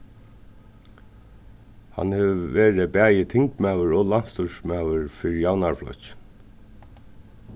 hann hevur verið bæði tingmaður og landsstýrismaður fyri javnaðarflokkin